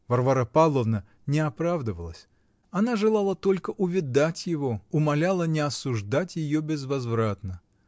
Варвара Павловна не оправдывалась: она желала толь-- ко увидать его, умоляла не осуждать ее безвозвратно.